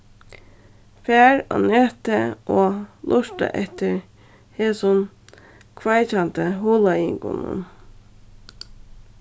far á netið og lurta eftir hesum kveikjandi hugleiðingunum